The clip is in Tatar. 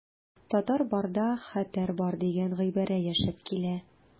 Татар барда хәтәр бар дигән гыйбарә яшәп килә.